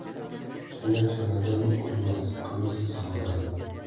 chana chanadan o'zmas qimiz savadan